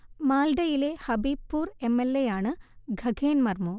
മാൽഡയിലെ Habibpur M L എയാണ് ഖഗേൻ മർമു